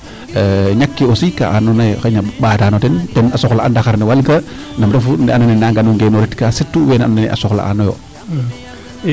Ñakkee aussi ka andoona yee xayna ɓaatan o ten, ten a soxla'a ndaxar ne nam refu ne andoona yee naaga no ngenooritka surtout wee andoona yee a soxla'aanooyo ?